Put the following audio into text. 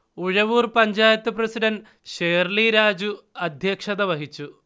Uzhavoor panchayat president Shirley Raju അധ്യക്ഷത വഹിച്ചു